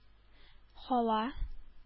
Һава